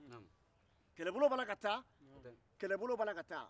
kɛlɛbolo b'a la ka ta kɛlɛbolo b'a la ka taa